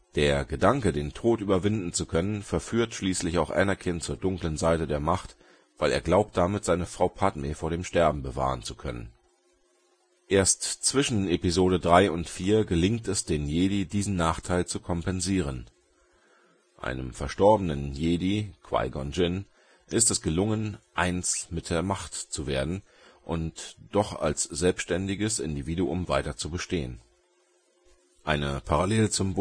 Der Gedanke, den Tod zu überwinden zu können, verführt schließlich auch Anakin zur dunklen Seite der Macht, weil er glaubt damit seine Frau Padmé vor dem Sterben bewahren zu können. Erst zwischen Episode III und IV gelingt es den Jedi, diesen Nachteil zu kompensieren. Einem verstorbenen Jedi, Qui-Gon Jinn, ist es gelungen, „ eins mit der Macht zu werden, und doch als selbständiges Individuum weiter zu bestehen “. Eine Parallele zum